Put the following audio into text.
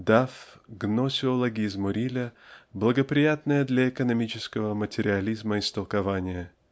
дал гносеологизму Риля благоприятное для экономического материализма истолкование.